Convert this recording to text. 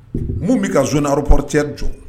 Mun bɛ ka z repreteri jɔ